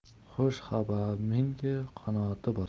xushxabaming qanoti bor